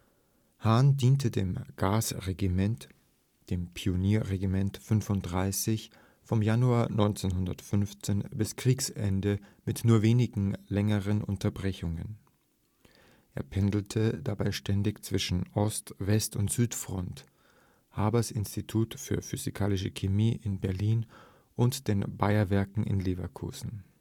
Hahn diente dem Gasregiment (Pionierregiment 35) vom Januar 1915 bis Kriegsende mit nur wenigen längeren Unterbrechungen. Er pendelte dabei ständig zwischen Ost -, West - und Süd-Front, Habers Institut für Physikalische Chemie in Berlin und den Bayer-Werken in Leverkusen